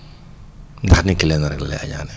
ndax nit ki lenn rek la lay añaanee